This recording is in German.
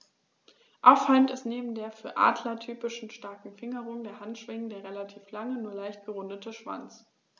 Auffallend ist neben der für Adler typischen starken Fingerung der Handschwingen der relativ lange, nur leicht gerundete Schwanz.